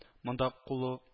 Монда кулу